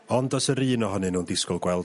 Ond does yr un ohonyn nw'n disgwyl gweld...